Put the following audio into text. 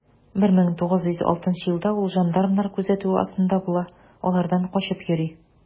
1906 елда ул жандармнар күзәтүе астында була, алардан качып йөри.